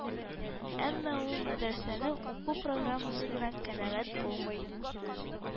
Әмма ул мәдрәсәнең уку программасыннан канәгать булмый,